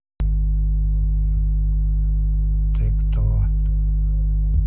ты кто